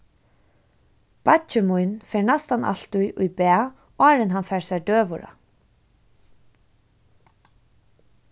beiggi mín fer næstan altíð í bað áðrenn hann fær sær døgurða